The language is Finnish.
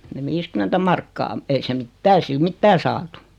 ne viisikymmentä markkaa ei se mitään ei sillä mitään saatu